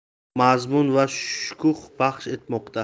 mazmun va shukuh baxsh etmoqda